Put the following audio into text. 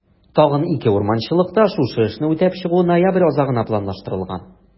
Тагын 2 урманчылыкта шушы эшне үтәп чыгу ноябрь азагына планлаштырылган.